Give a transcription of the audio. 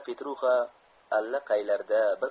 petruxa allaqaylarda